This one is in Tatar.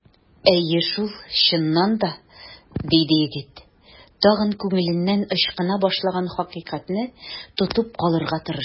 Әйе шул, чыннан да! - диде егет, тагын күңеленнән ычкына башлаган хакыйкатьне тотып калырга тырышып.